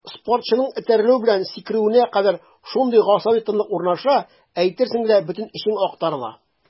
Спортчының этәрелүе белән сикерүенә кадәр шундый гасаби тынлык урнаша, әйтерсең лә бөтен эчең актарыла.